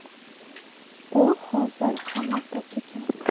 u hozir qayerda ekan